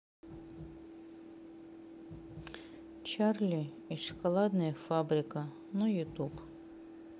чарли и шоколадная фабрика на ютуб